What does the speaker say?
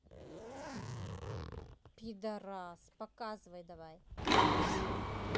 пидарас показывай давай